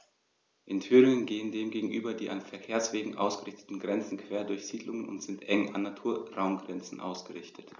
In Thüringen gehen dem gegenüber die an Verkehrswegen ausgerichteten Grenzen quer durch Siedlungen und sind eng an Naturraumgrenzen ausgerichtet.